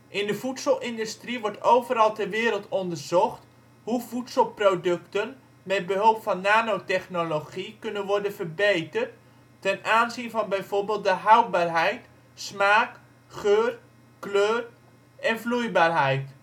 In de voedselindustrie wordt overal ter wereld onderzocht hoe voedselproducten met behulp van nano-technologie kunnen worden ' verbeterd ' ten aanzien van bijvoorbeeld de houdbaarheid, smaak, geur, kleur en vloeibaarheid